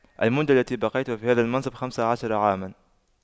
المدة التي بقيتها في هذا المنصب خمس عشر عاما